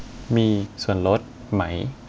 มีส่วนลดไหม